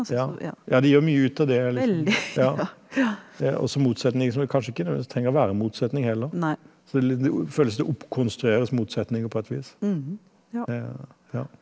ja ja de gjør mye ut av det liksom ja også motsetninger som kanskje ikke nødvendigvis trenger å være motsetning heller, så så føles det oppkonstrueres motsetninger på et vis det ja.